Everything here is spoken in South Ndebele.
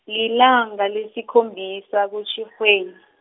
lilanga lesikhombisa kuTjhirhweni.